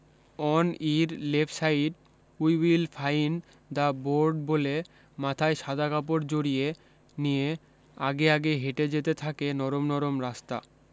on your left side you will find the board বলে মাথায় সাদা কাপড় জড়িয়ে নিয়ে আগে আগে হেঁটে যেতে থাকে নরম নরম রাস্তা